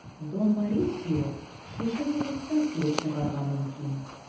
Дон Морисио шушы минутта килеп чыгарга мөмкин.